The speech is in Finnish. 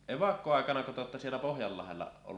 evakkoaikanako te olette siellä Pohjanlahdella ollut